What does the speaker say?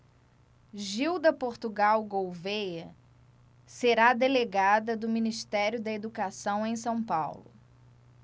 gilda portugal gouvêa será delegada do ministério da educação em são paulo